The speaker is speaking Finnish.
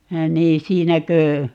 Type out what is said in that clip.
niin siinäkö